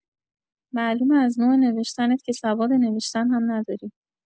معلومه از نوع نوشتنت که سواد نوشتن هم نداری